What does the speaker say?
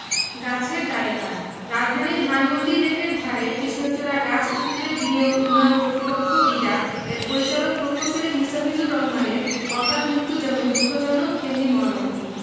গাছের দায় কার রাজধানীর ধানমন্ডি লেকের ধারে কৃষ্ণচূড়া গাছ উপড়ে বিনিয়োগ উন্নয়ন কর্তৃপক্ষ বিডা এর পরিচালক প্রকৌশলী মোস্তাফিজুর রহমানের অকালমৃত্যু যেমন দুঃখজনক তেমনি মর্মান্তিক